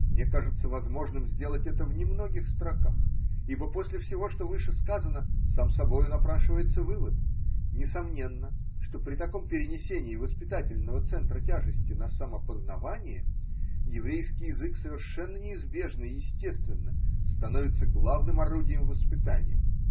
Мне кажется возможным сделать это в немногих строках, ибо после всего, что выше сказано, сам собою напрашивается вывод: несомненно, что при таком перенесении воспитательного центра тяжести на самопознавание – еврейский язык совершенно неизбежно и естественно становится главным орудием воспитания.